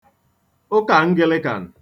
Ụkà Nglịkan